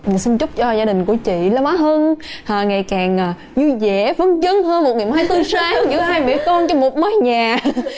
mình xin chúc cho gia đình của chị là má hân à ngày càng à dui dẻ phấn chấn hơn một ngày mai tươi sáng giữa hai mẹ con trong một mái nhà